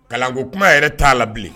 Kalanko kuma yɛrɛ t'a la bilen